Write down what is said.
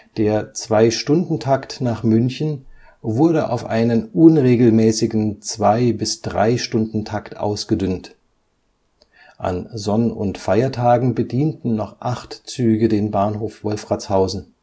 Der Zweistundentakt nach München wurde auf einen unregelmäßigen Zwei - bis Dreistundentakt ausgedünnt. An Sonn - und Feiertagen bedienten noch acht Züge den Bahnhof Wolfratshausen